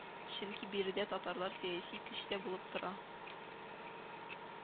Чөнки биредә татарлар сәяси көч тә булып тора